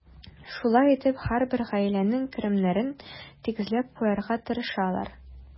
Шулай итеп, һәрбер гаиләнең керемнәрен тигезләп куярга тырышалар.